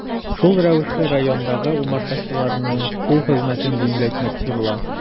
Шул рәвешле районындагы умартачыларның кул хезмәтен җиңеләйтмәкче була.